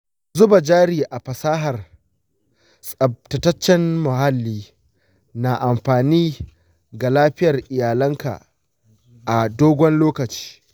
zuba jari a fasahar tsaftataccen muhalli na amfani ga lafiyar iyalinka a dogon lokaci.